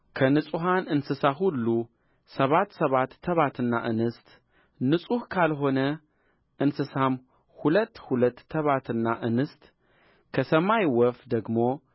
ከንጹሕ እንስሳ ሁሉ ሰባት ሰባት ተባትና እንስት ንጹሕ ካልሆነ እንስሳም ሁለት ሁለት ተባትና እንስት ከሰማይ ወፍ ደግሞ